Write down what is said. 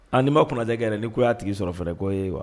Hali n'i ma kunnadiya kɛ yɛrɛ ni ko y'a tigi sɔrɔ fana ko ee wa!